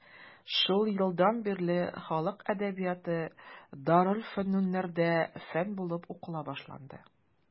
Шул елдан бирле халык әдәбияты дарелфөнүннәрдә фән булып укыла башланды.